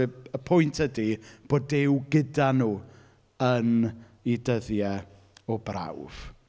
Be- y pwynt ydi, bod Duw gyda nhw yn eu dyddie o brawf.